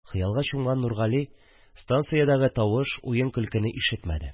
Хыялга чумган Нургали станциядәге тавыш, уен-көлкене ишетмәде